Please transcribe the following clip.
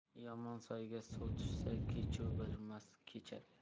yomon soyga suv tushsa kechuv bermas kecharga